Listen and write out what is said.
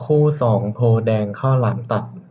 คู่สองโพธิ์แดงข้าวหลามตัด